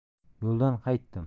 yo'ldan qaytdim